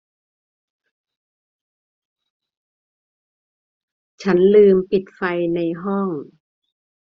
ฉันลืมปิดไฟในห้อง